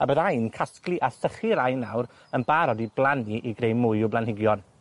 A byddai'n casglu a sychu rain nawr yn barod i blannu i greu mwy o blanhigion.